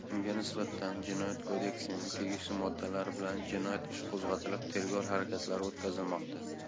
unga nisbatan jinoyat kodeksining tegishli moddalari bilan jinoyat ishi qo'zg'atilib tergov harakatlari o'tkazilmoqda